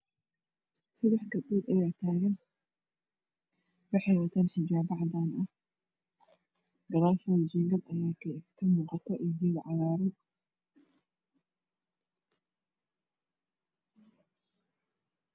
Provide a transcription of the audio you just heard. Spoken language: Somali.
3 gabdhood ayaa taagan waxay wataan xijaabo jaalo ah gadaashooda jiingad ayaa ka muuqato midab cagaar ah leh